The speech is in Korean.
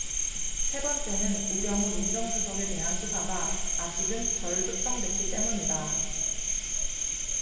세 번째는 우병우 민정수석에 대한 수사가 아직은 덜 숙성됐기 때문이다